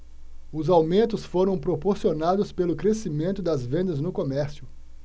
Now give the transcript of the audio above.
os aumentos foram proporcionados pelo crescimento das vendas no comércio